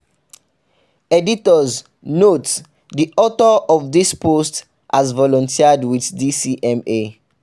Editor's note: The author of this post has volunteered with DCMA.